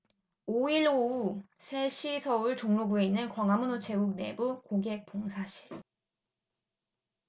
오 일 오후 세 시 서울 종로구에 있는 광화문우체국 내부 고객봉사실